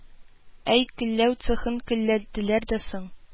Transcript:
Әй, көлләү цехын көлләделәр дә соң